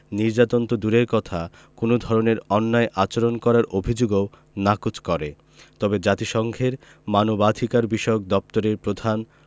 নির্যাতন তো দূরের কথা কোনো ধরনের অন্যায় আচরণ করার অভিযোগও নাকচ করে তবে জাতিসংঘের মানবাধিকারবিষয়ক দপ্তরের প্রধান